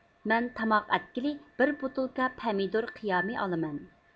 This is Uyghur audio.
مەن تاماق ئەتكىلى بىر بوتۇلكا پەمىدۇر قىيامى ئالىمەن